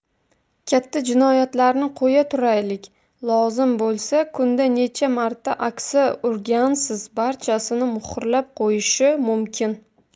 katta jinoyatlarni qo'ya turaylik lozim bo'lsa kunda necha marta aksa urgansiz barchasini muhrlab qo'yishi mumkin